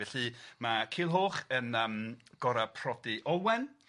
Felly ma' Culhwch yn yym gora prodi Olwen,